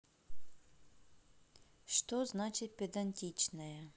что значит педантичная